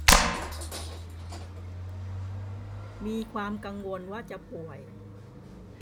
มีความกังวลว่าจะป่วย